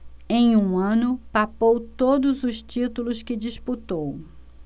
em um ano papou todos os títulos que disputou